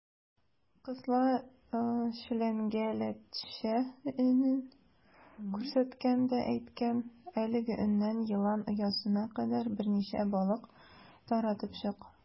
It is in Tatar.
Кысла челәнгә ләтчә өнен күрсәткән дә әйткән: "Әлеге өннән елан оясына кадәр берничә балык таратып чык".